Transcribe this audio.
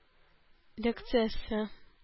Лекциясе